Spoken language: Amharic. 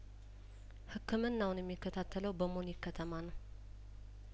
ህክምናውን የሚከታተለው በሙኒክ ከተማ ነው